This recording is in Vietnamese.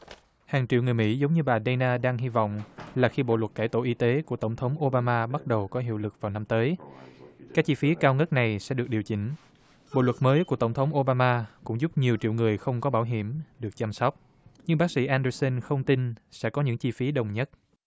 hàng triệu người mỹ giống như bà đê na đang hy vọng là khi bộ luật cải tổ y tế của tổng thống ô bam ma bắt đầu có hiệu lực vào năm tới các chi phí cao ngất này sẽ được điều chỉnh bộ luật mới của tổng thống ô bam ma cũng giúp nhiều triệu người không có bảo hiểm được chăm sóc nhưng bác sĩ en đơ sưn không tin sẽ có những chi phí đồng nhất